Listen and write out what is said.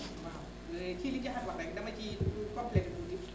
waaw ci li Ndiakhate wax rek dama ciy complété tuuti